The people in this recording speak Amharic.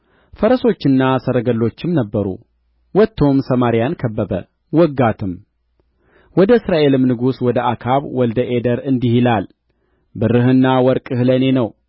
ፈረሶችና ሰረገሎችም ነበሩ ወጥቶም ሰማርያን ከበበ ወጋትም ወደ እስራኤልም ንጉሥ ወደ አክዓብ ወልደ አዴር እንዲህ ይላል ብርህና ወርቅህ ለእኔ ነው